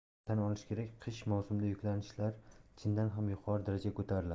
daryo tan olish kerak qish mavsumida yuklanishlar chindan ham yuqori darajaga ko'tariladi